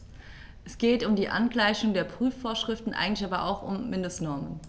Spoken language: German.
Es geht um die Angleichung der Prüfungsvorschriften, eigentlich aber auch um Mindestnormen.